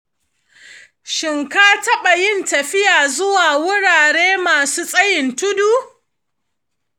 shin ka taɓa yin tafiya zuwa wurare masu tsayin tudu?